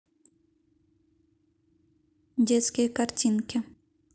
детские картинки